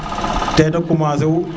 te no kumace u